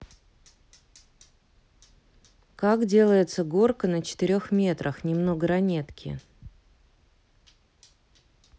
как делается горка на четырех метрах немного ранетки